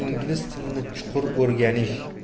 ingliz tilini chuqur o'rganish